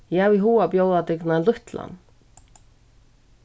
eg havi hug at bjóða tykkum ein lítlan